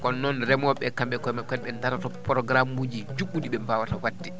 kono noon remooɓe ɓee kamɓe e koye maɓɓe kadi ɓe daaroto programme uji juɓɓiɗi ɓe mbawata wadde